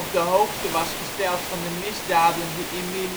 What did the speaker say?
de hoogte was gesteld van de misdaden die in My